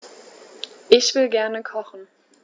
Ich will gerne kochen.